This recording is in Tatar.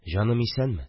Җаным, исәнме